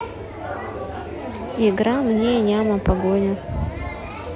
игра мне няма погоня